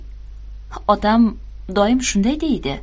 otam doim shunday deydi